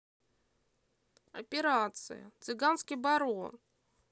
операция цыганский барон